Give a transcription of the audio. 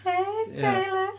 Hey sailor!